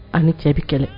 A ni cɛ bɛ kɛlɛ